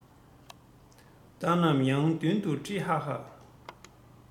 བདག ནམ ཡང མདུན དུ ཁྲིད ཨ ཨ